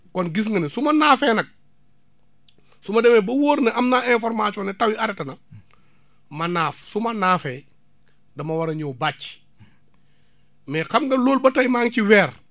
kon gis nga ne su ma naafee nag su ma demee ba wóor ne am naa information ne taw yi arrêté na ma naaf su ma naafee dama war a ñëw bàcc mais xam nga loolu ba tey maa ngi ci weer